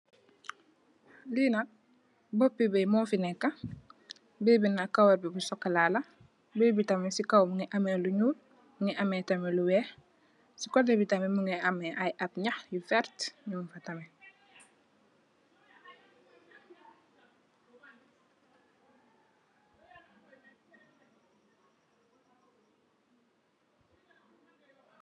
Li nak bópi bëy mo fii nekka, bëy bi nak kawarr bi bu sokola la, bëy bi tamit di kaw mungii ameh lu ñuul, mungii ameh tamit lu wèèx. Ci koteh bi tamit mungii ameh ay ñax yu werta ñing fa tamit.